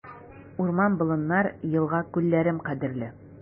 Урман-болыннар, елга-күлләрем кадерле.